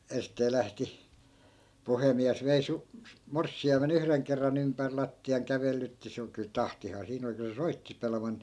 ensisteen lähti puhemies vei - morsiamen yhden kerran ympäri lattian kävelytti se on kyllä tahtiaan siinä oli kyllä se soitti pelimanni